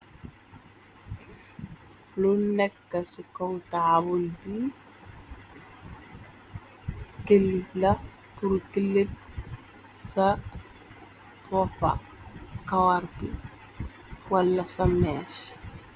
Lu nekk ci kow taabul bi kelit la pur kelit ca bopa kaawar wala sa mees.